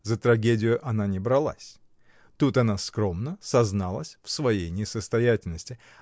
За трагедию она не бралась: тут она скромно сознавалась в своей несостоятельности.